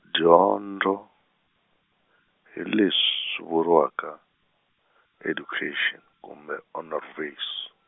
dyondzo, hi leswi swi vuriwaka, education kumbe onderwys.